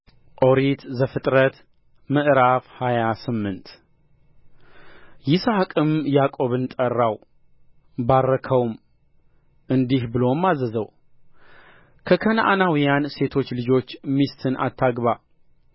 ኦሪት ዘፍጥረት ምዕራፍ ሃያ ስምንት ይስሐቅም ያዕቆብን ጠራው ባረከውም እንዲህ ብሎም አዘዘው ከከነዓናውያን ሴቶች ልጆች ሚስትን አታግባ